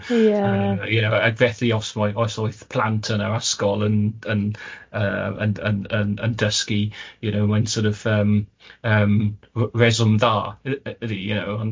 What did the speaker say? Ie. You know ac felly os mae os oedd plant yn yr ysgol yn yn yy yn yn yn yn dysgu you know mae'n sort of yym yym r- reswm dda y- y- ydi you know ond,